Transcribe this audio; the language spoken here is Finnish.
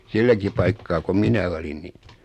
silläkin paikkaa kun minä olin niin